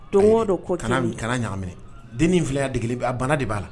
Tɔn dɔ ko kana kana ɲa minɛ den filaya a bana de b'a la